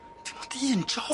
Dim ond un job.